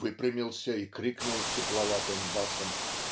выпрямился и крикнул сипловатым басом